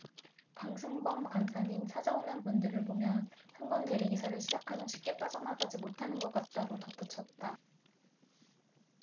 방승범 간사는 찾아오는 분들을 보면 한 번 대리기사를 시작하면 쉽게 빠져나가지 못하는 것 같다고 덧붙였다